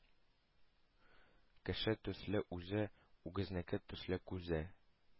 Кеше төсле үзе, үгезнеке төсле күзе,